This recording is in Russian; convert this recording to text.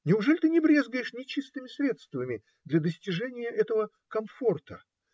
Неужели ты не брезгаешь нечестными средствами для достижения этого комфорта?